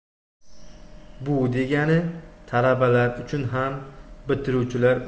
bu degani talabalar uchun ham bitiruvchilar